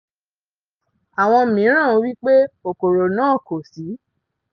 Àwọn mìíràn wí pé kòkòrò náà kò sí.